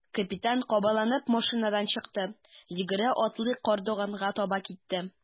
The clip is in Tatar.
Капитан кабаланып машинадан чыкты, йөгерә-атлый чардуганга таба китте.